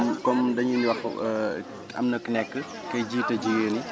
comme dañuy wax am na ku nekk kuy jiite jigéen ñi